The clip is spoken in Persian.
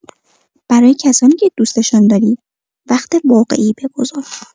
برای کسانی که دوستشان داری وقت واقعی بگذار.